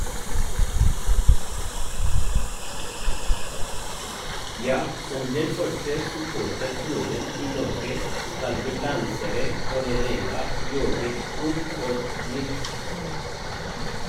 - Ja, som den første supporterklubben i Norge skal vi lansere Vålerenga-joggesko og - jeans.